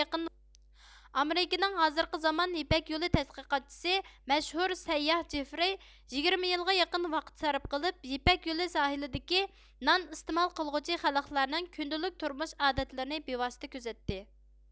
ئامېرىكىنىڭ ھازىرقى زامان يىپەك يولى تەتقىقاتچىسى مەشھۇر سەيياھ جېفرىينىڭ يىگىرمە يىلغا يېقىن ۋاقىت سەرپ قىلىپ يىپەك يولى ساھىلىدىكى نان ئىستېمال قىلغۇچى خەلقلەرنىڭ كۈندىلىك تۇرمۇش ئادەتلىرىنى بىۋاسىتە كۆزەتتى